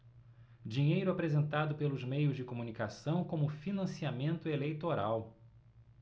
dinheiro apresentado pelos meios de comunicação como financiamento eleitoral